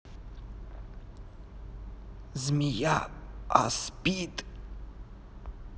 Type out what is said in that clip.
змея аспид